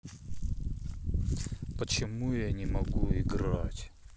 почему я не могу играть